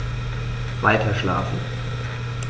Weiterschlafen.